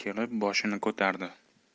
kelib boshini ko'tardi